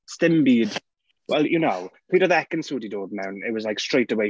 'Sdim byd. Well you know pryd oedd Ekin Su 'di dod mewn it was like, straight away...